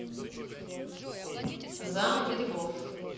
замок грибов